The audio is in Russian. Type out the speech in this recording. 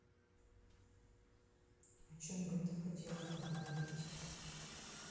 о чем бы ты хотела поговорить